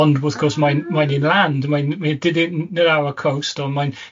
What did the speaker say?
ond wrth gwrs mae'n mae'n un land. Mae'n mae e didn't know our coast, ond mae'n